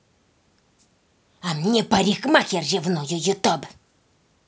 а мне парикмахер ревную youtube